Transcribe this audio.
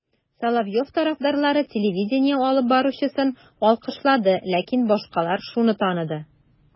Соловьев тарафдарлары телевидение алып баручысын алкышлады, ләкин башкалар шуны таныды: